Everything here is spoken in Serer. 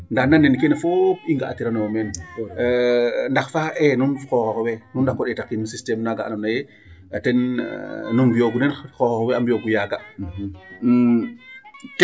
Ndaa nand nen keene fop i nga'atiranooyo meene ndax faaxee nuun xooxoox we nu ndako ɗeetahin systeme naaga andoona yee ten nu mbi'oogu xooxoox we a mbi'oogu yaaga .